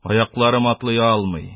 : аякларым атлый алмый,